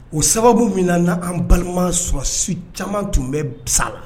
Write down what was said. O sababu min na n'an an balima sɔrɔdasi caaman tun bɛ sa la